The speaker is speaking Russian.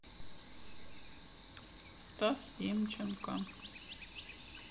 стас семченко